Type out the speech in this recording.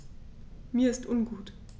Mir ist ungut.